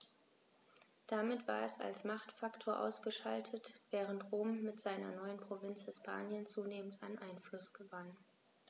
Damit war es als Machtfaktor ausgeschaltet, während Rom mit seiner neuen Provinz Hispanien zunehmend an Einfluss gewann.